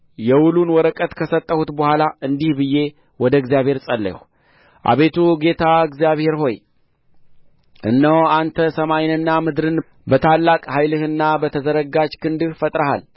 የውሉን ወረቀት ከሰጠሁት በኋላ እንዲህ ብዬ ወደ እግዚአብሔር ጸለይሁ አቤቱ ጌታ እግዚአብሔር ሆይ እነሆ አንተ ሰማይንና ምድርን በታላቅ ኃይልህና በተዘረጋች ክንድህ ፈጥረሃል